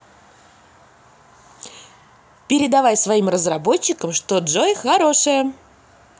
передай своим разработчикам что джой хорошее